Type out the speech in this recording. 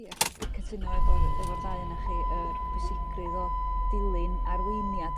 Ia a cy- ia cytuno efo efo'r ddau o'na' chi yr pwysigrwydd o dilyn arweiniad